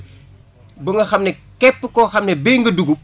ba nga xam ne képp koo xam ne béy nga dugub